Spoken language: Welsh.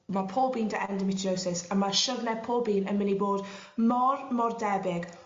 ma' pob un 'da endometriosis a ma' siwrne pob un yn myn' i bod mor mor debyg